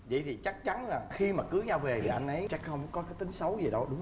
vậy thì chắc chắn là khi mà cưới nhau về thì anh ấy chắc không có cái tính xấu gì đâu đúng